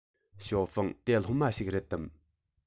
ཞའོ ཧྥུང དེ སློབ མ ཞིག རེད དམ